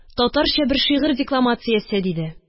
Татарча бер шигырь декламациясе! – диде.